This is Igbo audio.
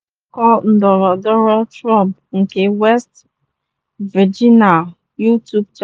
Oge nnọkọ ndọrọndọrọ Trump nke West Virginia. Youtube Channel